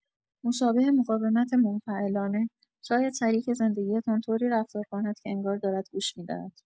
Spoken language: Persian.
مشابه مقاومت منفعلانه، شاید شریک زندگی‌تان طوری رفتار کند که انگار دارد گوش می‌دهد.